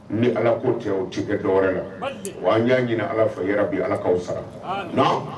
Ni Ala ko tɛ o tɛ kɛ dɔ wɛrɛ la, wa an y'a ɲini Ala fɛ yarabi Ala k'aw sara, amin